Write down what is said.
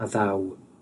a ddaw